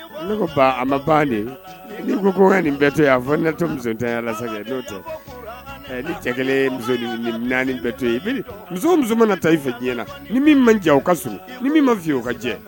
Ne ko a ma ban n ko ko nin tɛ a fɔ ne'o ni cɛ kelen naani to muso muso mana taa i fɛ diɲɛɲɛna ni min man ka s ni min ma f ka jɛ